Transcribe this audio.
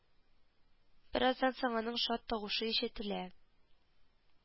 Бераздан соң аның шат тавышы ишетелә